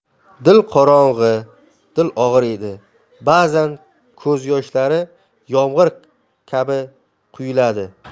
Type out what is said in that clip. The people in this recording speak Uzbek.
dil qorong'i dil og'riydi ba'zan ko'zyoshlari yomg'ir kabi quyiladi